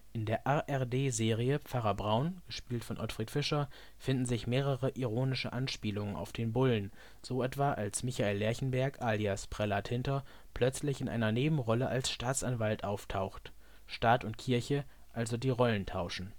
In der ARD-Serie Pfarrer Braun, gespielt von Ottfried Fischer, finden sich mehrere ironische Anspielungen auf den Bullen: So etwa, als Michael Lerchenberg alias Prälat Hinter plötzlich in einer Nebenrolle als Staatsanwalt auftaucht; Staat und Kirche also die Rollen tauschen